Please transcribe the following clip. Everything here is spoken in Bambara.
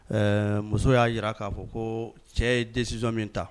Ɛɛ muso y'a jira k'a fɔ ko cɛ ye densisɔn min ta